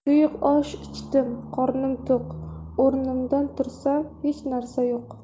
suyuq osh ichdim qornim to'q o'rnimdan tursam hech narsa yo'q